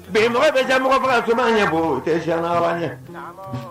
Bɛnmɔgɔ bɛ jan mɔgɔ faga tun ɲɛ cɛ si ye